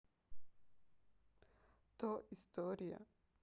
то история